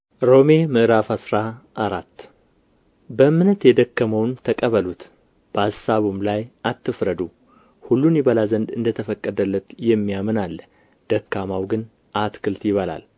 ሮሜ ምዕራፍ አስራ አራት በእምነት የደከመውንም ተቀበሉት በአሳቡም ላይ አትፍረዱ ሁሉን ይበላ ዘንድ እንደ ተፈቀደለት የሚያምን አለ ደካማው ግን አትክልት ይበላል